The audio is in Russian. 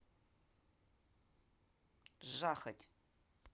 жахать